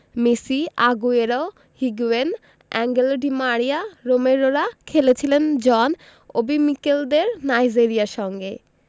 Messi Aguero Higuain Angel di Maria রোমেরোরা খেলেছিলেন John Obi মিকেলদের নাইজেরিয়ার সঙ্গে